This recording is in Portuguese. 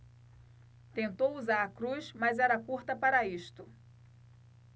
tentou usar a cruz mas era curta para isto